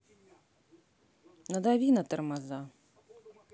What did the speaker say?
надави на тормоза